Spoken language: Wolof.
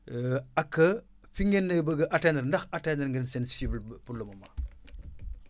ak fi ngeen bëgg a atteindre ndax atteindre ngeen seen cyble ba pour le moment